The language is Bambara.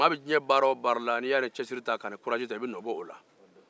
maa bɛ diɲɛ baara o baara la n'i y'a ni cɛsiri tai be nɔ bɔ a la